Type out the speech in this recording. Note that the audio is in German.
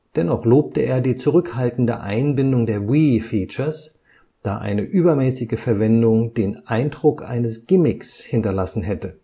Dennoch lobte er die zurückhaltende Einbindung der Wii-Features, da eine übermäßige Verwendung den Eindruck eines Gimmicks hinterlassen hätte